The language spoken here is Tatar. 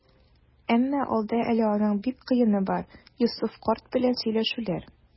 Әмма алда әле аның бик кыены бар - Йосыф карт белән сөйләшүләр.